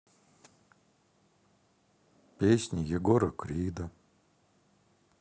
песни егора крида